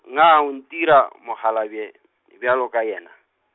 nxa o ntira mokgalabje , bjalo ka yena.